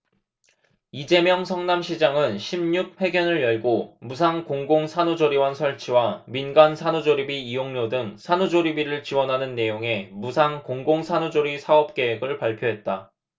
이재명 성남시장은 십 육 회견을 열고 무상 공공산후조리원 설치와 민간 산후조리비 이용료 등 산후조리비를 지원하는 내용의 무상 공공산후조리 사업계획을 발표했다